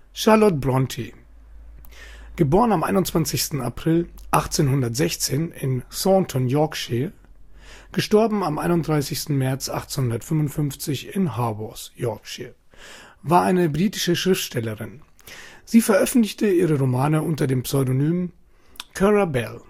Charlotte Brontë [ˈʃɑːlət ˈbrɒnti] (* 21. April 1816 in Thornton, Yorkshire; † 31. März 1855 in Haworth, Yorkshire) war eine britische Schriftstellerin. Sie veröffentlichte ihre Romane unter dem Pseudonym Currer Bell